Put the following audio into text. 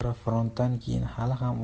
bechora frontdan keyin hali ham